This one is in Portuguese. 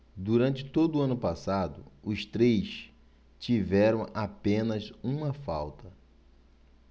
durante todo o ano passado os três tiveram apenas uma falta